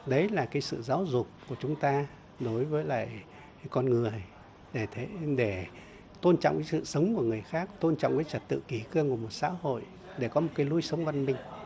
đấy là cái sự giáo dục của chúng ta đối với lại con người để thấy để tôn trọng sự sống của người khác tôn trọng trật tự kỷ cương của một xã hội để có một lối sống văn minh